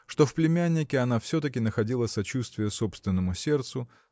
что в племяннике она все-таки находила сочувствие собственному сердцу